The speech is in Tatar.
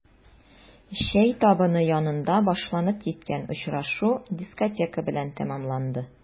Чәй табыны янында башланып киткән очрашу дискотека белән тәмамланды.